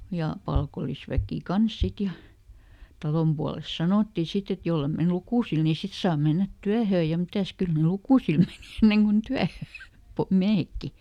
ja palkollisväki kanssa sitten ja talon puolesta sanottiin sitten että jos ei mene lukusille niin sitten saa mennä työhön ja mitäs kyllä nyt lukusille meni ennen kun työhön miehetkin